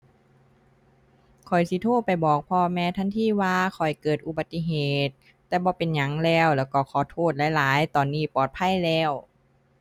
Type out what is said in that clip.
ข้อยสิโทรไปบอกพ่อแม่ทันทีว่าข้อยเกิดอุบัติเหตุ แต่บ่เป็นหยังแล้ว แล้วก็ขอโทษหลายหลาย ตอนนี้ปลอดภัยแล้ว